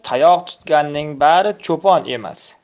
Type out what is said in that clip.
tayoq tutganning bail cho'pon emas